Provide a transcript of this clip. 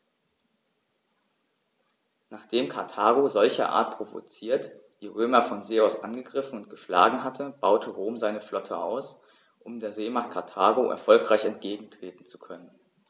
Nachdem Karthago, solcherart provoziert, die Römer von See aus angegriffen und geschlagen hatte, baute Rom seine Flotte aus, um der Seemacht Karthago erfolgreich entgegentreten zu können.